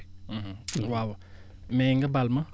waaw mais nga baal ma